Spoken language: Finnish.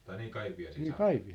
tai niin Kaipiaisiin saakka